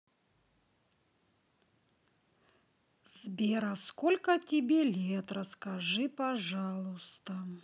сбер а сколько тебе лет расскажи пожалуйста